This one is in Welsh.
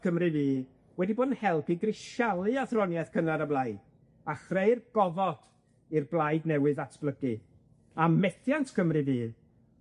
Cymru Fydd wedi bod yn help i grisialu athroniath cynnar y blaid, a chreu'r gofod i'r blaid newydd ddatblygu, a methiant Cymru Fydd